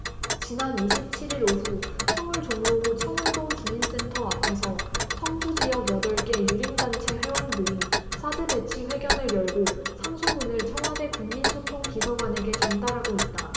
지난 이십 칠 일 오후 서울 종로구 청운동주민센터 앞에서 성주지역 여덟 개 유림단체 회원들이 사드배치 회견을 열고 상소문을 청와대 국민소통 비서관에게 전달하고 있다